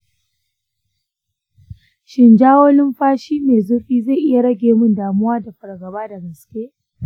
shin jawo lumfashi mai zurfi zai iya rage mini damuwa da fargaba da gaske?